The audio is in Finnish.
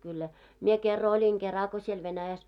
kyllä minä kerran olin kerran kun siellä Venäjässä